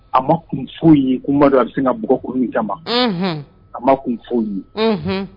A ma kun foyi ye kun min b'a to a bɛ se ka bɔgɔ kun min kama, unhun, a ma kun foyi ye